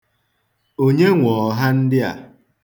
Onye nwe ọha ndị a?